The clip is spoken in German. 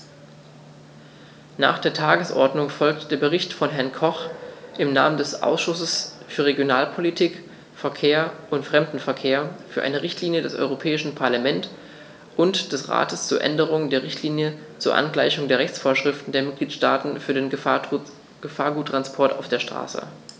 Nach der Tagesordnung folgt der Bericht von Herrn Koch im Namen des Ausschusses für Regionalpolitik, Verkehr und Fremdenverkehr für eine Richtlinie des Europäischen Parlament und des Rates zur Änderung der Richtlinie zur Angleichung der Rechtsvorschriften der Mitgliedstaaten für den Gefahrguttransport auf der Straße.